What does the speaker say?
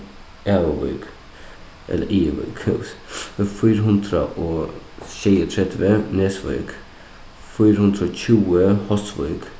æðuvík ella æðuvík fýra hundrað og sjeyogtretivu nesvík fýra hundrað og tjúgu hósvík